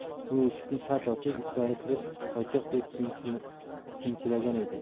u eshikni shart ochib ichkari kirib toychoq deb suyunchilagan edi